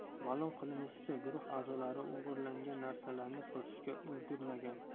ma'lum qilinishicha guruh a'zolari o'g'irlangan narsalarni sotishga ulgurmagan